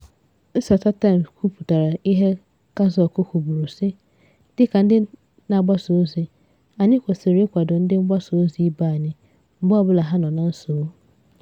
Nyasatimes kwupụtara ihe Kazako kwuburu sị, "Dịka ndị na-agbasaozi, anyị kwesịrị ịkwado ndị mgbasaozi ibe anyị mgbe ọbụla ha nọ na nsogbu.